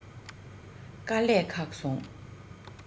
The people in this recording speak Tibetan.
དཀའ ལས ཁག སོང